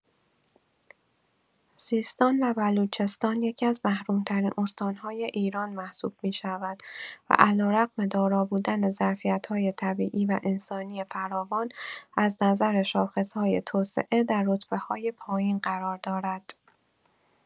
سیستان و بلوچستان یکی‌از محروم‌ترین استان‌های ایران محسوب می‌شود و علی‌رغم دارا بودن ظرفیت‌های طبیعی و انسانی فراوان، از نظر شاخص‌های توسعه در رتبه‌های پایین قرار دارد.